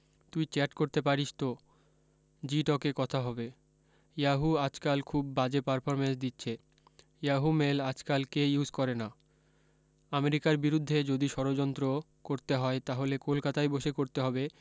তুই চ্যাট করতে পারিস তো জি টকে কথা হবে ইয়াহু আজ কাল খুব বাজে পারফরম্যান্স দিচ্ছে ইয়াহু মেল আজকাল কে ইউজ করেনা আমেরিকার বিরুদ্ধে যদি ষড়জন্ত্র করতে হয় তাহলে কলকাতায় বসে করতে হবে